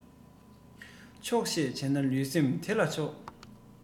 ཆོག ཤེས བྱས ན ལུས སེམས བདེ ལ འཇོག